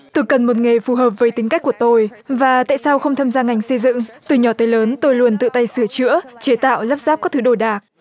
tôi cần một nghề phù hợp với tính cách của tôi và tại sao không tham gia ngành xây dựng từ nhỏ tới lớn tôi luôn tự tay sửa chữa chế tạo lắp ráp các thứ đồ đạc